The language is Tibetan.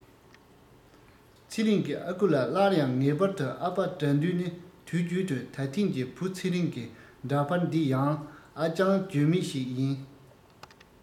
ཚེ རིང གི ཨ ཁུ ལ སླར ཡང ངེས པར དུ ཨ ཕ དགྲ འདུལ ནི དུས རྒྱུན དུ ད ཐེངས ཀྱི བུ ཚེ རིང གི འདྲ པར འདི ཡང ཨ ཅང བརྗོད མེད ཞིག ཡིན